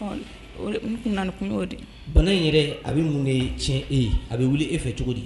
Na kun di bana in yɛrɛ a bɛ ninnu de ye tiɲɛ e ye a bɛ wuli e fɛ cogo di